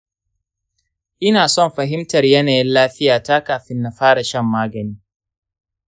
ina son fahimtar yanayin lafiyata kafin na fara shan magani.